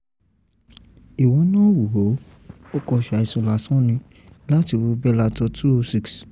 ìwọ náà wò ó, o kàn ṣàìsùn lásán ni láti wo Bellator 206.